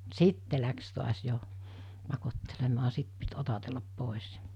sitten lähti taas jo pakottelemaan sitten piti otatella pois